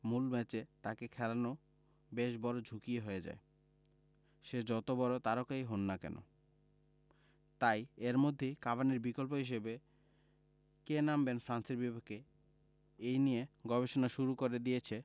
মূল ম্যাচে তাঁকে খেলানো বেশ বড় ঝুঁকিই হয়ে যায় সে যত বড় তারকাই হোন না কেন তাই এর মধ্যেই কাভানির বিকল্প হিসেবে কে নামবেন ফ্রান্সের বিপক্ষে এই নিয়ে গবেষণা শুরু করে দিয়েছে